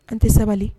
An tɛ sabali